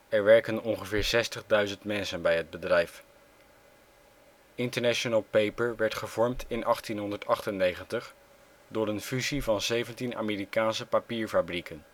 Er werken ongeveer 60.000 mensen bij het bedrijf. International Paper werd gevormd in 1898 door een fusie van 17 Amerikaanse papierfabrieken